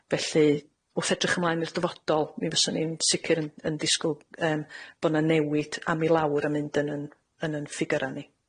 Felly w'th edrych ymlaen i'r dyfodol, mi fyswn i'n sicir yn yn disgwyl yym bo' 'na newid am i lawr yn mynd yn 'yn yn 'yn ffigyra' ni.